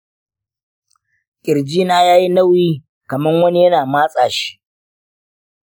ƙirji na yayi nauyi kaman wani yana matsa shi.